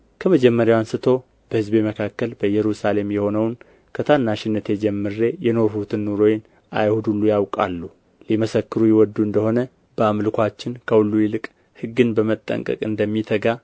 ከመጀመሪያ አንሥቶ በሕዝቤ መካከል በኢየሩሳሌም የሆነውን ከታናሽነቴ ጀምሬ የኖርሁትን ኑሮዬን አይሁድ ሁሉ ያውቃሉ ሊመሰክሩ ይወዱ እንደ ሆነ በአምልኮአችን ከሁሉ ይልቅ ሕግን በመጠንቀቅ እንደሚተጋ